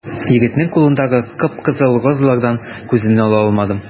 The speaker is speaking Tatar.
Егетнең кулындагы кып-кызыл розалардан күземне ала алмадым.